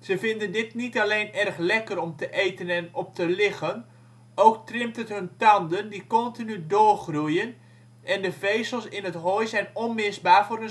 Ze vinden dit niet alleen erg lekker om te eten en op te liggen, ook trimt het hun tanden die continu doorgroeien en de vezels in het hooi zijn onmisbaar voor